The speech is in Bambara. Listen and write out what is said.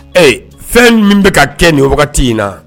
Ee fɛn min bɛ ka kɛ nin wagati in na